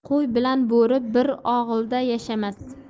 qo'y bilan bo'ri bir og'ilda yashamas